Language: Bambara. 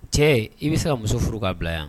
Cɛ i bɛ se ka muso furu k'a bila yan